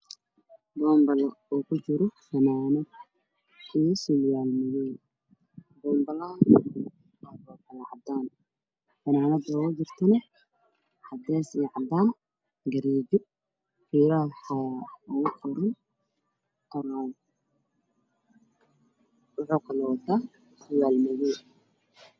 Waa banbalo ay ku jiraan fanaanad isurwaal boombalalkiisu waa cadda lafteedu waa ka joogaankiisu waa madow